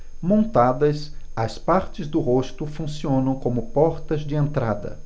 montadas as partes do rosto funcionam como portas de entrada